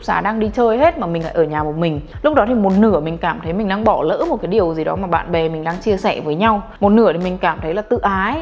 đang đi chơi hết mà mình đang ở nhà một mình lúc đó thì một nửa mình cảm thấy mình đang bỏ lỡ một cái điều gì đó mà bạn bè mình đang chia sẻ với nhau một nửa là mình cảm thấy tự ái